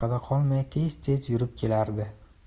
orqada qolmay tez tez yurib kelardi